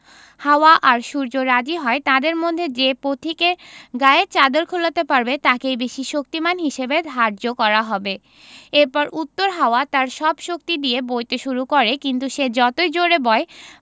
হাওয়া আর সূর্য রাজি হয় তাদের মধ্যে যে পথিকে গায়ের চাদর খোলাতে পারবে তাকেই বেশি শক্তিমান হিসেবে ধার্য করা হবে এরপর উত্তর হাওয়া তার সব শক্তি দিয়ে বইতে শুরু করে কিন্তু সে যতই জোড়ে বয়